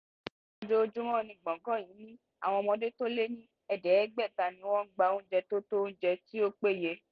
Ojoojúmọ́ ní gbọ̀ngán yìí ni àwọn ọmọdé tó lé ní 500 ní wọn ń gba oúnjẹ tó tó oúnjẹ, tí ó péye.